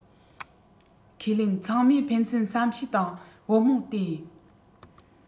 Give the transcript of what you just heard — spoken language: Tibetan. ཁས ལེན ཚང མས ཕན ཚུན བསམ ཤེས དང བུ མོ སྟེ